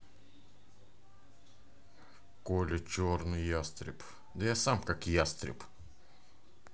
коля черный ястреб